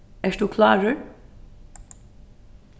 ert tú klárur